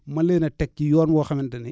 mën leen a teg ci yoon woo xamante ne